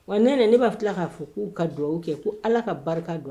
Wa ne nana ne b'a tila k'a fɔ k'u ka dugawuw kɛ ko ala ka barika don